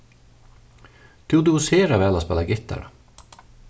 tú dugir sera væl at spæla gittara